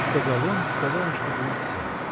— сказал он, вставая, чтоб уйти.